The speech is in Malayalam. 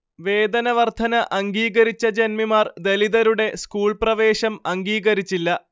വേതനവർധന അംഗീകരിച്ച ജന്മിമാർ ദലിതരുടെ സ്കൂൾപ്രവേശം അംഗീകരിച്ചില്ല